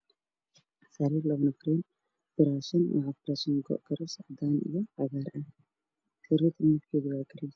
Sariir labo nafareed firaashan waxa ku firaashan go, karis ah cadaan iyo cagaar ah sariirta midabkeedu waa gaduud